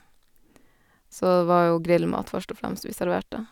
Så det var jo grillmat, først og fremst, vi serverte.